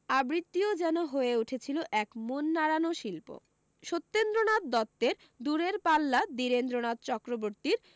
আবৃত্তিও যেন হয়ে উঠেছিল এক মন নাড়ানো শিল্প সত্যেন্দ্রনাথ দত্তের দূরের পাল্লা নীরেন্দ্রনাথ চক্রবর্তীর